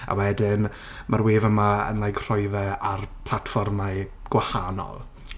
a wedyn, mae'r wefan 'ma yn like rhoi fe ar platfformau gwahanol.